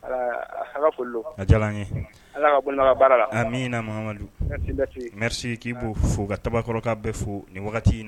Min namadumeri k'i bɛ fo ka takɔrɔ bɛ fo nin in